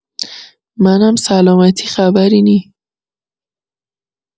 منم سلامتی خبری نی